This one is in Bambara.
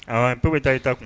P bɛ taa i ta kun